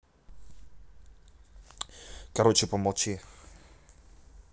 короче помолчи